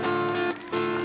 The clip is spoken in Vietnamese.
ạ